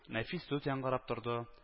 Нәфис сүз яңгырап торды